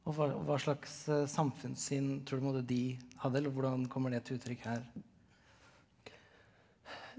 og hva hva slags samfunnssyn tror du på en måte de hadde, eller hvordan kommer det til uttrykk her?